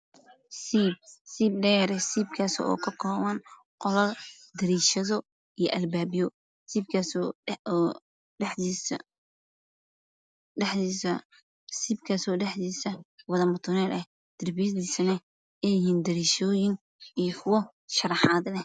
Siib dheer oo ka kooban qol, dariishado iyo albaab. Dhexdiisa waa mutuleel, darbiga waa dariishadooyin iyo kuwo leh sharaxaad leh.